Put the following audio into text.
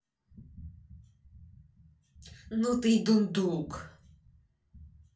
ну ты и дундук